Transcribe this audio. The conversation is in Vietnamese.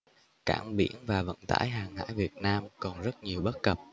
cảng biển và vận tải hàng hải việt nam còn rất nhiều bất cập